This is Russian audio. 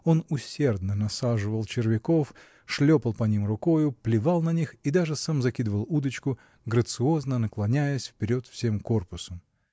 Он усердно насаживал червяков, шлепал по ним рукою, плевал на них и даже сам закидывал удочку, грациозно наклоняясь вперед всем корпусом.